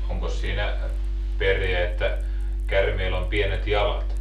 onkos siinä perää että käärmeellä on pienet jalat